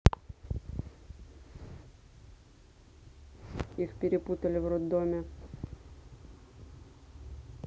их перепутали в роддоме